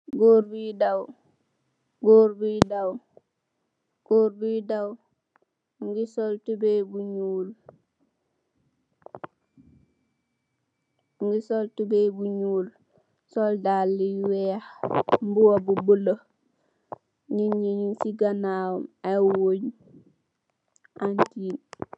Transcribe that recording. Goor bui daw goor bui daw goor bui daw magi sol tubai bu nuul mogi sol tubai bu nuul sol daala yu weex mbuba bu bulo niti nyun si kanaw ay wong am fill.